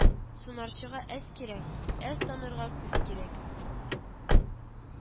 Сунарчыга эз кирәк, эз танырга күз кирәк